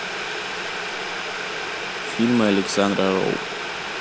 фильмы александра роу